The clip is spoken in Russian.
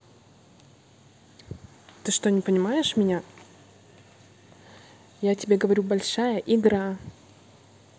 ты что не понимаешь меня я тебе говорю большая игра